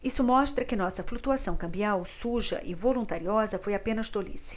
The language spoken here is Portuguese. isso mostra que nossa flutuação cambial suja e voluntariosa foi apenas tolice